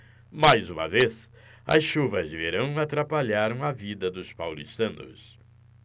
mais uma vez as chuvas de verão atrapalharam a vida dos paulistanos